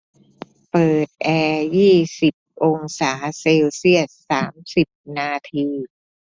เปิดแอร์ยี่สิบองศาเซลเซียสสามสิบนาที